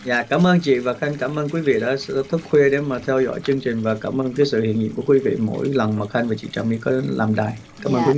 dạ cảm ơn chị và khanh cảm ơn quý vị đã thức khuya để mà theo dõi chương trình và cảm ơn cái sự hiện diện của quý vị mỗi lần mà khanh và chị trà my có làm đài cảm ơn quý vị